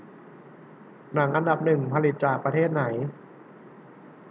หนังอันดับหนึ่งผลิตจากประเทศไหน